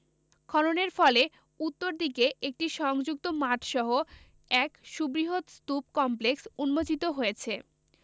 খননের ফলে উত্তর দিকে একটি সংযুক্ত মঠসহ এক সুবৃহৎ স্তূপ কমপ্লেক্স উন্মোচিত হয়েছে